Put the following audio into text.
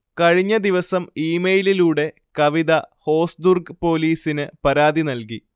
കഴിഞ്ഞദിവസം ഇമെയിലിലൂടെ കവിത ഹോസ്ദുർഗ് പോലീസിന് പരാതി നൽകി